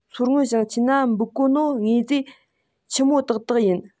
མཚོ སྔོན ཞིང ཆེན ན འབུད གོ ནོ དངོས རྫས ཆི མོ དག དག ཡིན